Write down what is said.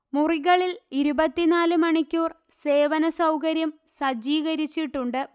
മുറികളിൽ ഇരുപത്തിനാൽ മണിക്കൂർ സേവന സൗകര്യം സജ്ജീകരിച്ചിട്ടുണ്ട്